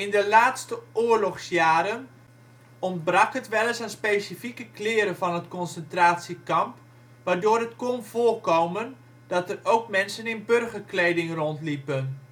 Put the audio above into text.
de laatste oorlogsjaren ontbrak het wel eens aan specifieke kleren van het concentratiekamp, waardoor het kon voorkomen dat er ook mensen in burgerkleding rondliepen